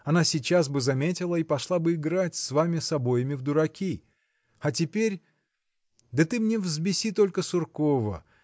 она сейчас бы заметила и пошла бы играть с вами с обоими в дураки. А теперь. да ты мне взбеси только Суркова